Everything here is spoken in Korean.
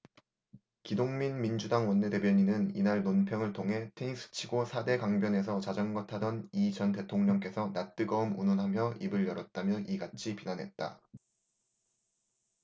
기동민 민주당 원내대변인은 이날 논평을 통해 테니스 치고 사 대 강변에서 자전거 타던 이 전 대통령께서 낯 뜨거움 운운하며 입을 열었다며 이같이 비난했다